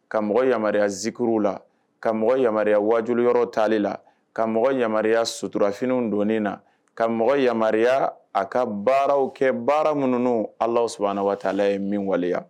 Ka mɔgɔ yamaruya zikuruuru la ka mɔgɔ yamaruya wajju yɔrɔ tali la ka mɔgɔ yamaruya suturarafiniw don na ka mɔgɔ yama a ka baaraw kɛ baara minnu ala s waatala ye min waleya